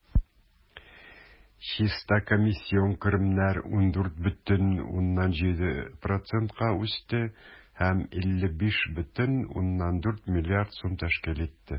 Чиста комиссион керемнәр 14,7 %-ка үсте, 55,4 млрд сум тәшкил итте.